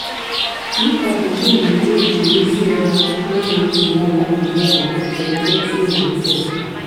Twitter bụ ogbunigwe nke ozi ụgha n'oge ntụliaka Naịjirịa nke 2019